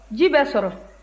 ji bɛ sɔrɔ